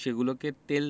সেগুলোকে তেল